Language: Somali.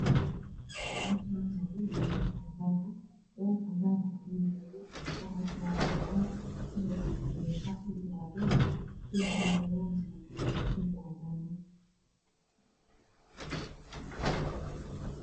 Meeshaan waa dhul banaan oo cadaan dhagax cadaan ah ayaa yaalo waxaa saaran caag kalarkiisa yahay qaxwi cadees darbiga gadal darbi cadaan ah